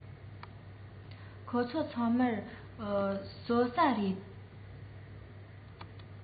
ཁོ ཚོ ཚང མར ཟོ ར རེད